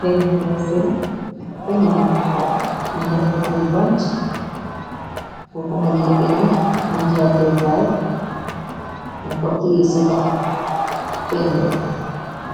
Peñe ngay seen, peñe bu taxaw mëngi am ay bant, wafo nga day peñe, am japkaay ñu ko cie ci lox, peñe la